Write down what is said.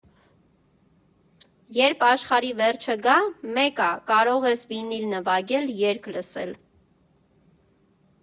Երբ աշխարհի վերջը գա, մեկ ա՝ կարող ես վինիլ նվագել, երգ լսել.